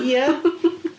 Ia!